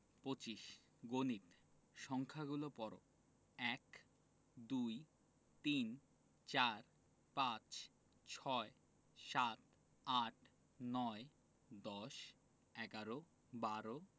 ২৫ গণিত সংখ্যাগুলো পড় ১ এক ২ দুই ৩ তিন ৪ চার ৫ পাঁচ ৬ ছয় ৭ সাত ৮ আট ৯ নয় ১০ দশ ১১ এগারো ১২ বারো